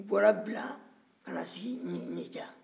u bɔra bila ka na sigi ɲeca